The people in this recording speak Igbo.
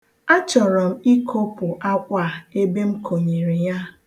A chọrọ m ikopụ akwa a ebe m konyere ya.